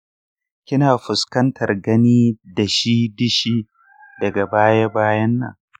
kina fuskantar gani dashi dishi daga baya bayan nan?